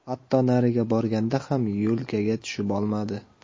hatto nariga borganda ham yo'lkaga tushib olmadi